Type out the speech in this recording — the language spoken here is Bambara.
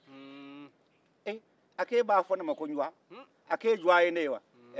a ko e b'a fɔ ne ma ko n dwaa e dwaa ye ne wa